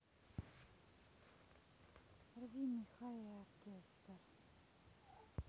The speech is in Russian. рви меха и оркестр